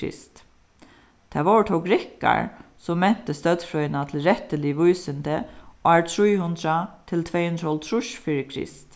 krist tað vóru tó grikkar sum mentu støddfrøðina til rættilig vísindi ár trý hundrað til tvey hundrað og hálvtrýss fyri krist